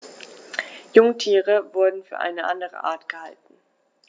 Jungtiere wurden für eine andere Art gehalten.